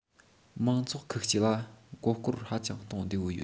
མང ཚོགས ཁག གཅིག ལ མགོ སྐོར ཧ ཅང གཏོང བདེ པོ ཡོད